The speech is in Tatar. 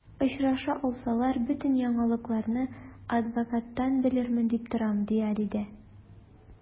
Очраша алсалар, бөтен яңалыкларны адвокаттан белермен дип торам, ди Алидә.